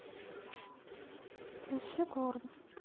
включи корн